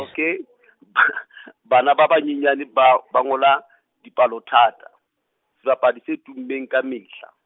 okay , bana ba ba nyenyane ba ba ngola , dipalothata. sebapadi se tummeng kamehla.